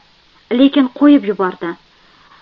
lekin qo'yib yubordi